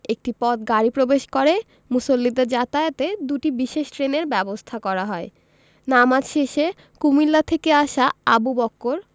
একটি পথ গাড়ি প্রবেশ করে মুসল্লিদের যাতায়াতে দুটি বিশেষ ট্রেনের ব্যবস্থা করা হয় নামাজ শেষে কুমিল্লা থেকে আসা আবু বক্কর